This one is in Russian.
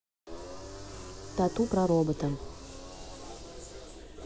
tatu про робота